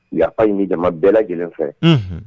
U y'aɲ nija bɛɛla lajɛlen fɛ